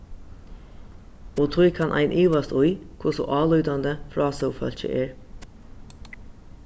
og tí kann ein ivast í hvussu álítandi frásøgufólkið er